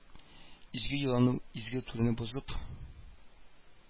Изге йоланы, изге түрәне бозып